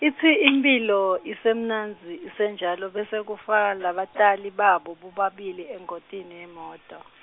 itsi imphilo isemnandzi isenjalo bese kufa labatali babo bobabili engotini yemoti.